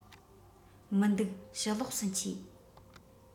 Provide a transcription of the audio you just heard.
མི འདུག ཕྱི ལོགས སུ མཆིས